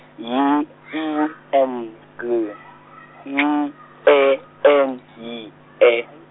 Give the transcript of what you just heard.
Y I N G X E N Y E .